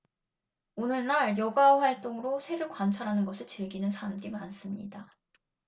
오늘날 여가 활동으로 새를 관찰하는 것을 즐기는 사람이 많습니다